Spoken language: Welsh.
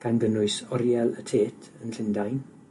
gan gynnwys oriel y Tate yn Llundain,